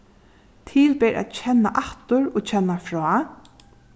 til ber at kenna aftur og kenna frá